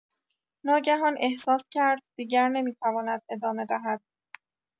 ناگهان احساس کرد دیگر نمی‌تواند ادامه دهد.